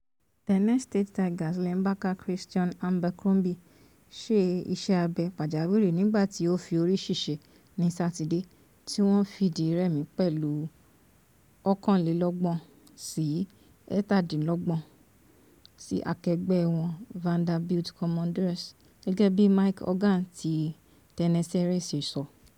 Tennessee State Tigers linebacker Christion Abercrombie ṣe iṣẹ́-abẹ pàjáwìrì nígbàtí ó fi orí-ṣèṣe ní Satide tí wọ́n fìdí rẹmi pẹ̀lú 31-27 sí akẹgbẹ́ wọn Vanderbilt Commodores. Gẹ́gẹ́ bí Mike Organ ti Tennessean ṣe sọ.